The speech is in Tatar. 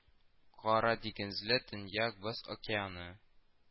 Кара дигезле, Төньяк Боз океаны